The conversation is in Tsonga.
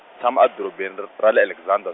tshama edorobeni r-, ra le Alexander.